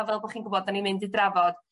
fel bo' chi'n gwbod 'da ni mynd i drafod